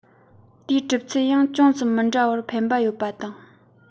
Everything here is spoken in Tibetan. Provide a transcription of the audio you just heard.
དེའི གྲུབ ཚུལ ཡང ཅུང ཙམ མི འདྲ བར ཕན པ ཡོད པ དང